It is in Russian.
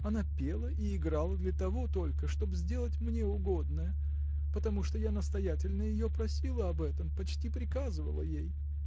Она пела и играла для того только, чтобы сделать мне угодное, потому что я настоятельно ее просила об этом, почти приказывала ей.